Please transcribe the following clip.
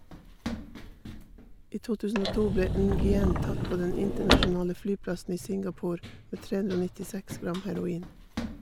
I 2002 ble Nguyen tatt på den internasjonale flyplassen i Singapore med 396 gram heroin.